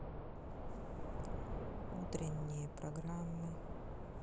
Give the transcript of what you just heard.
утренние программы